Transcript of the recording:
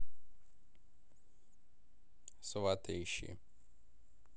сваты ищи